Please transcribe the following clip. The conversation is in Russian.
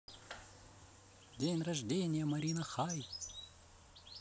день рождения марина хай